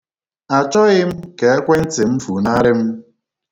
Achọghị m ka ekwentị m funarị m.